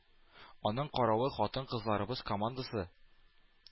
Аның каравы, хатын-кызларыбыз командасы